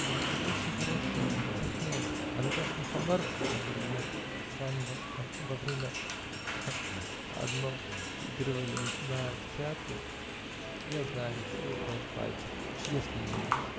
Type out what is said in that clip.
У него очень хорошее состояние, а Наташину Хабаровку, в которой мы с вами во время оно игрывали на театре, я знаю как свои пять пальцев, -- чудесное именье!